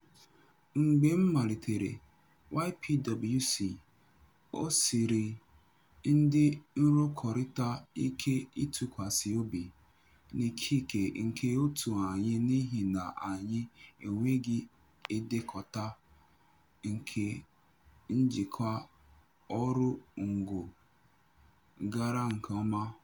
Mgbe m malitere YPWC, o siiri ndị nrụkọrịta ike ịtụkwasị obi n'ikike nke òtù anyị n'ịhị na anyị enweghị ndekọta nke njikwa ọrụngo gara nke ọma.